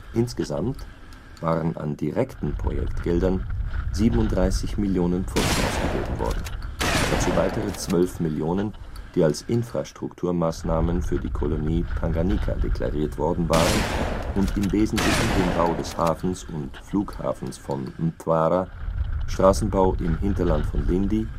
Insgesamt waren an direkten Projektgeldern 37 Millionen Pfund ausgegeben worden, dazu weitere zwölf Millionen, die als Infrastrukturmaßnahmen für die Kolonie Tanganyika deklariert worden waren und im wesentlichen den Bau des Hafens und Flughafens von Mtwara, Straßenbau im Hinterland von Lindi